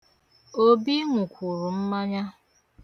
Obi ṅụkwuru mmanya.